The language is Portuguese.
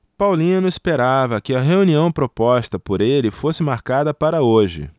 paulino esperava que a reunião proposta por ele fosse marcada para hoje